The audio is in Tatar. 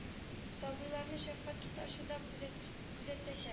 Сабыйларны шәфкать туташы да күзәт-күзәтәчәк